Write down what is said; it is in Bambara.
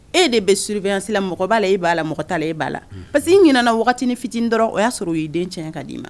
E de bɛ surunvyasila mɔgɔ b' la e b'a la mɔgɔ ta e b' la parce que ɲin waati fit dɔrɔn o y'a sɔrɔ o'i den cɛ k' d'i ma